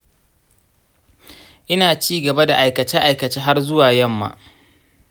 ina cigaba da aikace aikace har zuwa yamma